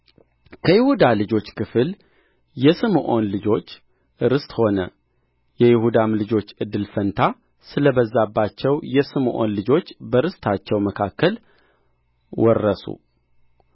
ከይሁዳ ልጆች ክፍል የስምዖን ልጆች ርስት ሆነ የይሁዳም ልጆች እድል ፈንታ ስለ በዛባቸው የስምዖን ልጆች በርስታቸው መካከል ወረሱ